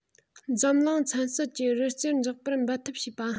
འཛམ གླིང ཚན རྩལ གྱི རི རྩེར འཛེགས པར འབད འཐབ བྱེད པ